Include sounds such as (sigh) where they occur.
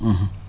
(hesitation) (hesitation)